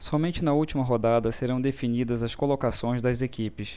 somente na última rodada serão definidas as colocações das equipes